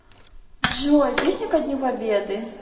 джой песня к дню победы